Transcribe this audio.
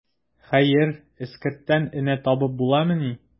Хәер, эскерттән энә табып буламыни.